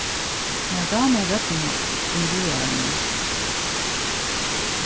mær dámar røddina í røðaranum